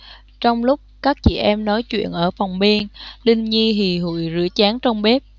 trong lúc các chị em nói chuyện ở phòng bên linh nhi hì hụi rửa chén trong bếp